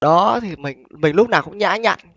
đó thì mình mình lúc nào cũng nhã nhặn